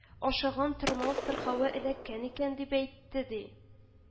— ашаган тормау сырхавы эләккән икән, — дип әйтте, ди